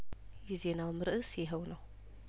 የዜናውም ርእስ ይኸው ነው